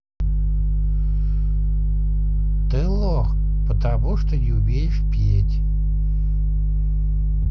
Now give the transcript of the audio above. ты лох потому что не умеешь петь